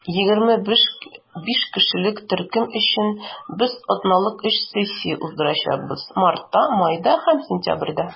25 кешелек төркем өчен без атналык өч сессия уздырачакбыз - мартта, майда һәм сентябрьдә.